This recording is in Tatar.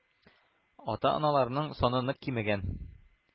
Ата-аналарның саны нык кимегән: